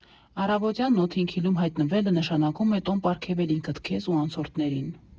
Առավոտյան Նոթինգ Հիլում հայտնվելը նշանակում է տոն պարգևել ինքդ քեզ ու անցորդներին։